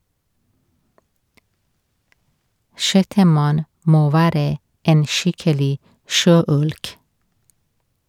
- Sjettemann må være en skikkelig sjøulk.